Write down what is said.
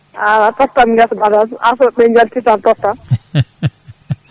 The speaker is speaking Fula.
ala tottam guesa ba foof an kay so ɗum yalti tan tottam